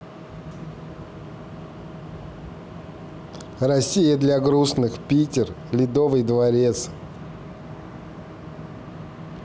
россия для грустных питер ледовый дворец